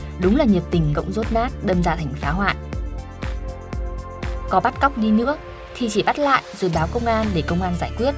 đúng là nhiệt tình cộng dốt nát đâm ra thành phá hoại có bắt cóc đi nữa thì chỉ bắt lại rồi báo công an để công an giải quyết